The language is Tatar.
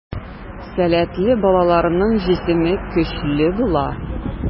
Сәләтле балаларның җисеме көчле була.